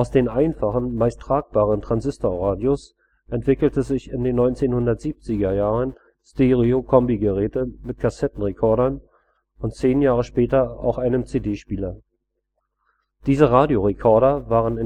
den einfachen, meist tragbaren Transistorradios entwickelten sich in den 1970er Jahren Stereo-Kombigeräte mit Kassettenrekordern und zehn Jahre später auch einem CD-Spieler. Diese Radiorekorder waren